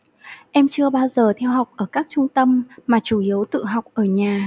em chưa bao giờ theo học ở các trung tâm mà chủ yếu tự học ở nhà